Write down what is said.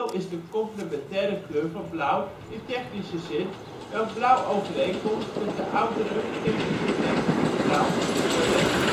is de complementaire kleur van blauw in technische zin, welk blauw overeenkomt met de oudere technische term (spectraal) violet